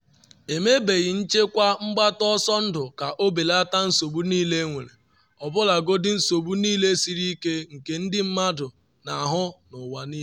Emebeghị nchekwa mgbata ọsọ ndụ ka obeleta nsogbu niile enwere - ọbụlagodi nsogbu niile siri ike - nke ndị mmadụ n’ahụ n’ụwa niile.